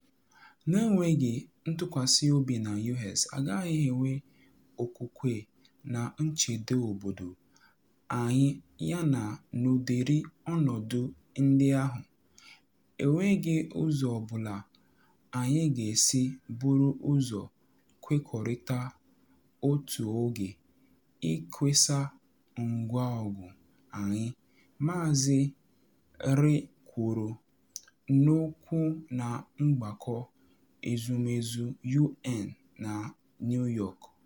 “Na enweghị ntụkwasị obi na US, agaghị enwe okwukwe na nchedo obodo anyị yana n’ụdịrị ọnọdụ ndị ahụ, enweghị ụzọ ọ bụla anyị ga-esi bụrụ ụzọ kwekọrịta otu oge ịkwasa ngwa ọgụ anyị,” Maazị Ri kwuru n’okwu na Mgbakọ Ezumezu UN na New York.